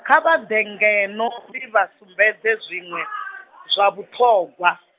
kha vha ḓe ngeno ndi vha sumbedze zwiṅwe, zwa vhuṱhogwa.